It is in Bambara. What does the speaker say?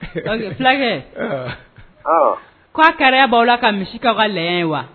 Fulakɛ k koa kɛra b'aw la ka misikaw ka lajɛ ye wa